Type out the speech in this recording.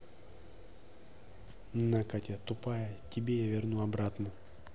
на катя тупая тебе я тебя верну обратно